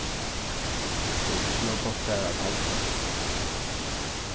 tað er ikki nóg gott bara at halda